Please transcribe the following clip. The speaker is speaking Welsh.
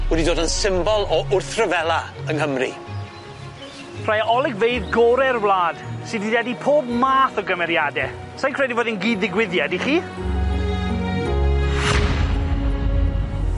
wedi dod yn symbol o wrhtryfela yng Nghymru. Rhai o ologfeydd gore'r wlad sy 'di denu bob math o gymeriade. Sai'n credu bod 'i'n gyd digwyddiad, 'ych chi?